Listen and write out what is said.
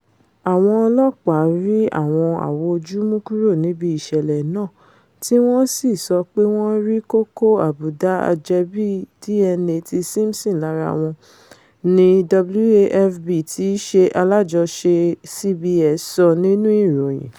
Àwọn ọlọ́ọ̀pá rí àwọn awò ojú mú kúrò níbì ìṣẹ̀lẹ̀ náà tí wọ́n sì sọ pé wọ́n rí kókó àbùdá àjẹbí DNA ti Simpson lára wọn, ní WAFB tííṣe alájọṣe CBS sọ nínú ìròyìn.